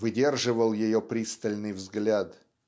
выдерживал ее пристальный взгляд.